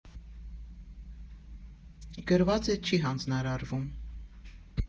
Գրված է՝ չի հանձնարարվում։